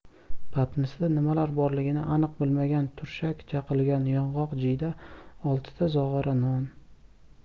patnisda nimalar borligini aniq bilaman turshak chaqilgan yong'oq jiyda oltita zog'ora non